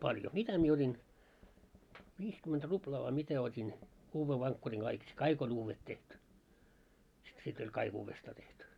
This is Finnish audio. mitä minä otin viisikymmentä ruplaa vai mitä otin uuden vankkurin kaikki - kaikki on uudet tehty - sitten oli kaikki uudestaan tehty